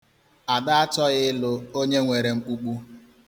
Ada achọghị ịlụ onye nwere mkpukpu.